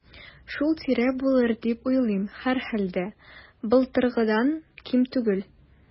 Шул тирә булыр дип уйлыйм, һәрхәлдә, былтыргыдан ким түгел.